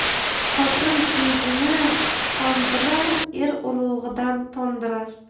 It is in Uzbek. xotin so'zini qondirar er urug'idan tondirar